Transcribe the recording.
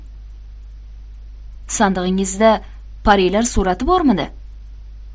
sandig'ingizda parilar surati bormidi